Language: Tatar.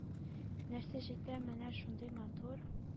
Нәрсә җитә менә шундый матур,